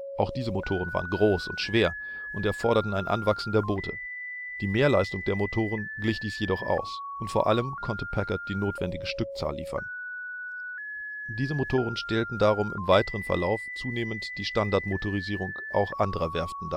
Auch diese Motoren waren groß und schwer und erforderten ein anwachsen der Boote, die Mehrleistung der Motoren glich dies jedoch aus und vor allem konnte Packard die notwendige Stückzahl liefern. Diese Motoren stellten darum im weiteren Verlauf zunehmend die Standardmotorisierung auch anderer Werften